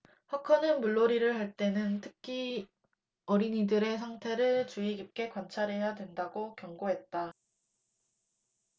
허커는 물놀이를 할 대는 특히 어린이들의 상태를 주의깊게 관찰해야 된다고 경고했다